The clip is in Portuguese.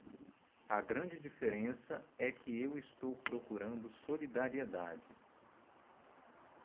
a grande diferença é que eu estou procurando solidariedade